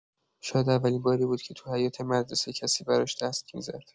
شاید اولین باری بود که تو حیاط مدرسه کسی براش دست می‌زد.